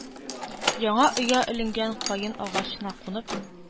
Яңа оя эленгән каен агачына кунып,